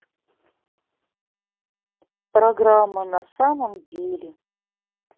программа на самом деле